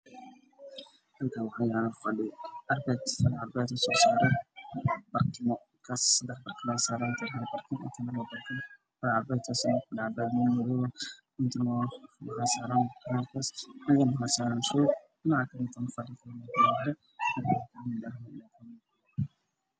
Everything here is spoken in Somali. Hal kaan waxaa yaalo fadhi